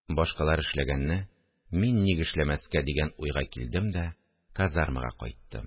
Башкалар эшләгәнне мин ник эшләмәскә дигән уйга килдем дә казармага кайттым